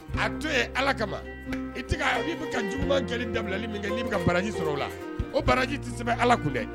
A to yen ala kama i'i ko ka juguman jɛ dabilali min kɛ'i ka baraji sɔrɔ o la o baraji tɛ sɛbɛn ala kun dɛ